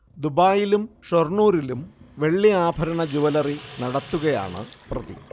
ദുബായിലും ഷൊർണൂരിലും വെള്ളി ആഭരണ ജൂവലറി നടത്തുകയാണ് പ്രതി